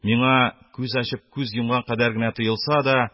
Миңа күз ачып, күз йомган кадәр генә тоелса да,